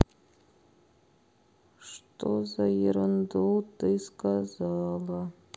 что за ерунду ты сказала